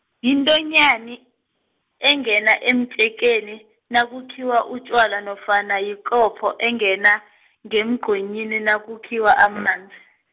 yintonyani, engena emtjekeni, nakukhiwa utjwala nofana yikapho engena, ngemgqonyini nakukhiwa amanzi.